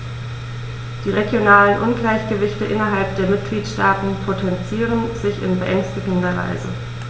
Die regionalen Ungleichgewichte innerhalb der Mitgliedstaaten potenzieren sich in beängstigender Weise.